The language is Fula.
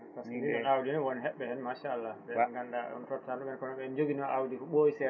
par ce que ndin awdine woon heɓɓe hen machallah ɓe ganduɗa on tottani ɗumen kono ne joguino awdi ko ɓooyi seeɗa